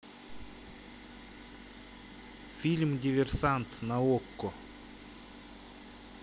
фильм диверсант на окко